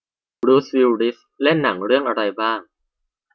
บรูซวิลลิสเล่นหนังเรื่องอะไรบ้าง